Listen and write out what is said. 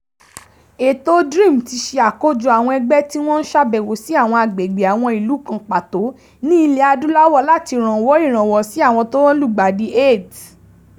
Ètò DREAM ti ṣe àkójọ àwọn ẹgbẹ́ tí wọ́n ṣàbẹ̀wò sí àwọn agbègbè àwọn ìlú kan pàtó ní ilẹ̀ adúláwò láti ranwọ́ ìrànwọ̀ sí àwọn tí wọ́n lùgbàdì AIDS.